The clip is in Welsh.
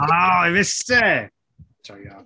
O I missed it! Joio.